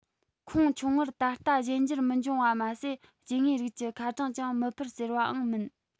ཁོངས ཆུང ངུར ད ལྟ གཞན འགྱུར མི འབྱུང བ མ ཟད སྐྱེ དངོས རིགས ཀྱི ཁ གྲངས ཀྱང མི འཕར ཟེར བའང མིན